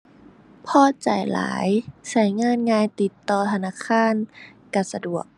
พอใจหลาย ใช้งานง่าย ติดต่อธนาคารใช้สะดวก